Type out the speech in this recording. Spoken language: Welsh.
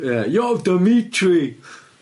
Ie, you're da meat tree!